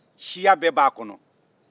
siya bɛɛ b'a kɔnɔ